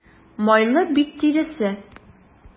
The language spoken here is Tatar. Майлы бит тиресе.